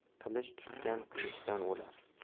qilich tutgan qilichdan o'lar